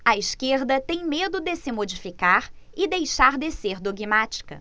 a esquerda tem medo de se modificar e deixar de ser dogmática